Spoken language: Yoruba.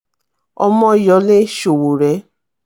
Omoyole Sowore